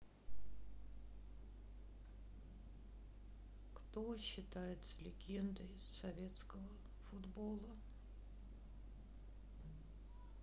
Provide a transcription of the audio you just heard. кто считается легендой советского футбола